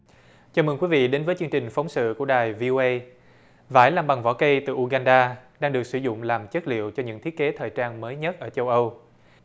chào mừng quý vị đến với chương trình phóng sự của đài vi ô ây vải làm bằng vỏ cây từ u gan đa đang được sử dụng làm chất liệu cho những thiết kế thời trang mới nhất ở châu âu